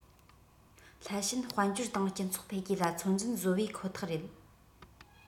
སླད ཕྱིན དཔལ འབྱོར དང སྤྱི ཚོགས འཕེལ རྒྱས ལ ཚོད འཛིན བཟོ བའི ཁོ ཐག རེད